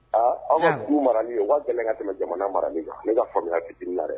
Aa aw ka dugu marain ye waa gɛlɛn ka tɛmɛ jamana marain ye ne ka faamuyamuya ci na yɛrɛ dɛ